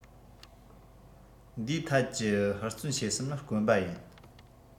འདིའི ཐད ཀྱི ཧུར བརྩོན བྱེད སེམས ནི དཀོན པ ཡིན